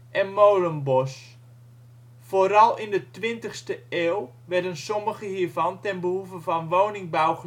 en Molenbosch. Vooral in de 20e eeuw werden sommige hiervan ten behoeve van woningbouw